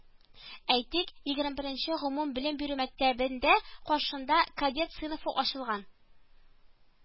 Әйтик, егерме беренче гомумбелем бирү мәктәбендә каршында кадет сыйныфы ачылган